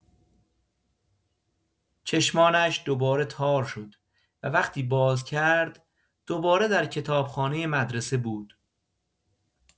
چشمانش دوباره تار شد، و وقتی باز کرد، دوباره در کتابخانه مدرسه بود.